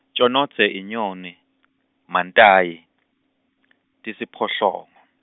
tjonodze yinyoni, Mantayi, tisiphohlongo.